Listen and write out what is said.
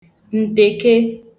ǹtèke